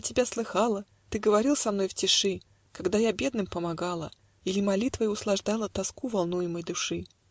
я тебя слыхала: Ты говорил со мной в тиши, Когда я бедным помогала Или молитвой услаждала Тоску волнуемой души?